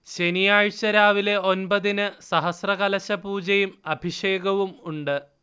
ശനിയാഴ്ച രാവിലെ ഒൻപതിന് സഹസ്രകലശപൂജയും അഭിഷേകവും ഉണ്ട്